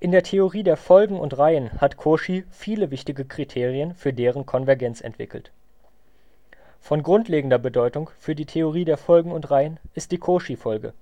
der Theorie der Folgen und Reihen hat Cauchy viele wichtige Kriterien für deren Konvergenz entwickelt. Von grundlegender Bedeutung für die Theorie der Folgen und Reihen ist die Cauchy-Folge